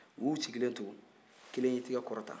u y'u sigilen to kelen y'i tɛge kɔrɔta